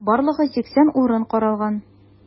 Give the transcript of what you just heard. Барлыгы 80 урын каралган.